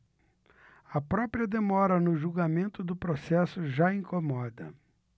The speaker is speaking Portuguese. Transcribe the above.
a própria demora no julgamento do processo já incomoda